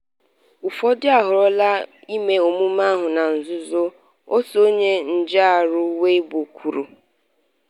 Ụfọdụ ahọrọla ime emume ahụ na nzuzo. Otu onye njiarụ Weibo kwuru: